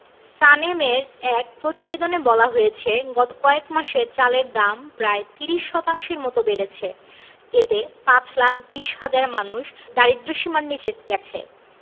সানেমের এক প্রতিবেদনে বলা হয়েছে গত কয়েক মাসে চালের দাম প্রায় ৩০ শতাংশের মতো বেড়েছে এতে ৫ লাখ ২০ হাজার মানুষ দারিদ্র্যসীমার নিচে গেছে